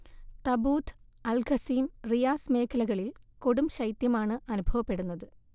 Tabuk, Al Qassim, Riyadh മേഖലകളിൽ കൊടുംശൈത്യമാണ് അനുഭവപ്പെടുന്നത്